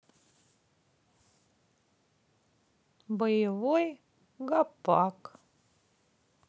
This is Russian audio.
боевой гопак